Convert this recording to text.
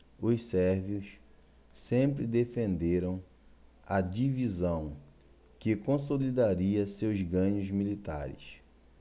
os sérvios sempre defenderam a divisão que consolidaria seus ganhos militares